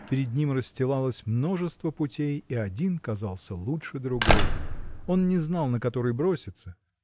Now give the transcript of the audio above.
Перед ним расстилалось множество путей, и один казался лучше другого. Он не знал, на который броситься.